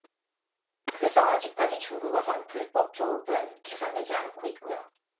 그래서 아직까지 중국어선 불법조업은 개선되지 않고 있고요